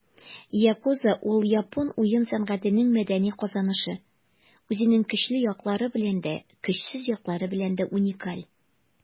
Yakuza - ул япон уен сәнәгатенең мәдәни казанышы, үзенең көчле яклары белән дә, көчсез яклары белән дә уникаль.